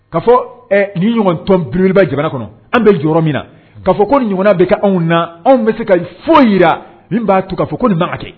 Ka fɔ ɛ ni ɲɔgɔntɔn briba jamana kɔnɔ an bɛ jɔyɔrɔ min na ka fɔ ko ɲɔgɔn bɛ kɛ anw na anw bɛ se ka foyi yi min b'a to ka fɔ ko nin kɛ